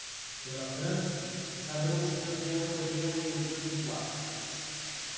pela frança sagrou-se campeão europeu em oitenta e quatro